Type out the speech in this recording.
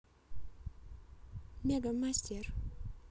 мегамастер